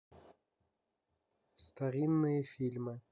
старинные фильмы